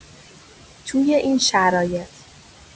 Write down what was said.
توی این شرایط